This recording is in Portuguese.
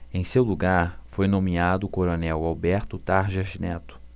em seu lugar foi nomeado o coronel alberto tarjas neto